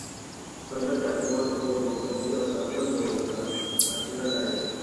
ข้อยมาจากจังหวัดอุบล หม้องท่องเที่ยวสามพันโบก แล้วก็ผาชะนะได